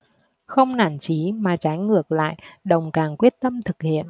không nản chỉ mà trái ngược lại đồng càng quyết tâm thực hiện